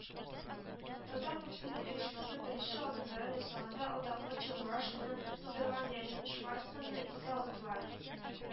Татармультфильм оешмасы беренче адымнарын ясаганда атаклы Чебурашканы тудырган Леонид Шварцманны искә алдылар